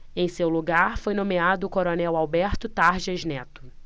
em seu lugar foi nomeado o coronel alberto tarjas neto